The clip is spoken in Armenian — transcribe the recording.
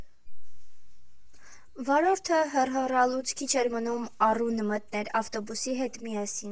Վարորդը հռհռալուց քիչ էր մնում առուն մտներ ավտոբուսի հետ միասին։